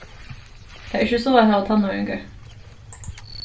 tað er ikki so at hava tannáringar